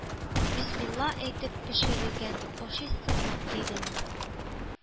Бисмилла әйтеп пешерелгән, ашыйсыңмы?” – дидем.